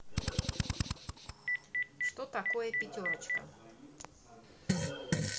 что такое пятерочка